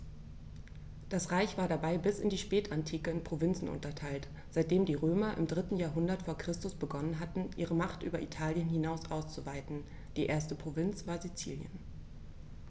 Das Reich war dabei bis in die Spätantike in Provinzen unterteilt, seitdem die Römer im 3. Jahrhundert vor Christus begonnen hatten, ihre Macht über Italien hinaus auszuweiten (die erste Provinz war Sizilien).